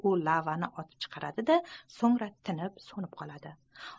u lavani otib chiqaradi da songra tinib sonib qoladi